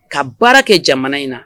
Ka baara kɛ jamana in na